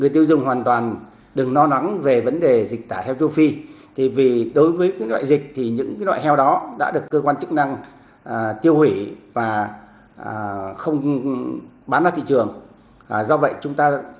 người tiêu dùng hoàn toàn đừng lo lắng về vấn đề dịch tả heo châu phi thì vì đối với những loại dịch thì những loại heo đó đã được cơ quan chức năng à tiêu hủy và à không bán ra thị trường do vậy chúng ta